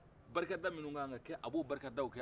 barikada min ka kan ka kɛ a bɛ o barikadaw kɛ